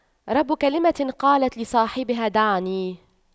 رب كلمة قالت لصاحبها دعني